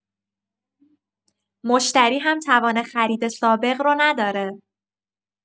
مشتری هم توان خرید سابق رو نداره.